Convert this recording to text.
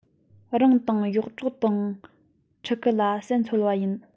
རང དང གཡོག གྲོག དང ཕྲུ གུ ལ ཟན འཚོལ བ ཡིན